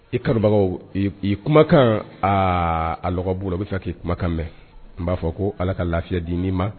I kanubagaw i i kumakaan aa a lɔgɔ b'u la u be fɛ k'i kumakan mɛ an b'a fɔ ko Ala ka lafiya di i ni ma